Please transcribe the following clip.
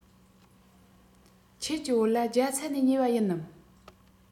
ཁྱེད ཀྱི བོད ལྭ རྒྱ ཚ ནས ཉོས པ ཡིན ནམ